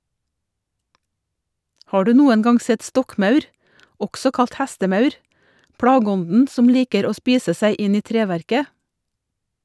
Har du noen gang sett stokkmaur, også kalt hestemaur, plageånden som liker å spise seg inn i treverket?